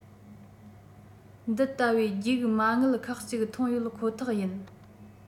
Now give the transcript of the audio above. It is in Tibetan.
འདི ལྟ བུའི རྒྱུག མ དངུལ ཁག གཅིག ཐོན ཡོད ཁོ ཐག ཡིན